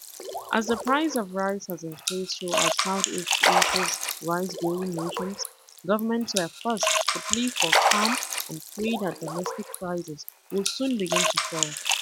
As the price of rice has increased throughout Southeast Asia’s rice growing nations, governments were forced to plea for calm and pray that domestic prices would soon begin to fall.